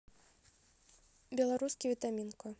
белорусский витаминка